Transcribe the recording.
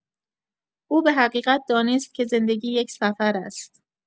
او به حقیقت دانست که زندگی یک سفر است.